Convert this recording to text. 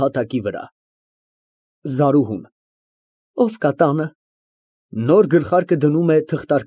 Հապա մեկ էլ տեսնեմ լավ է սազում։ (Դնում է գլխին և նայում հայելուն)։